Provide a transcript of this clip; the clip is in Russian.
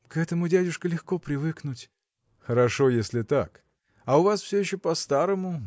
– К этому, дядюшка, легко привыкнуть. – Хорошо, если так. А у вас все еще по-старому